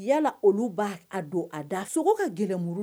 Yalala olu'a a don a da sogo ka gɛlɛn muru